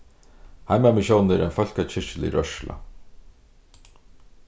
heimamissiónin er ein fólkakirkjulig rørsla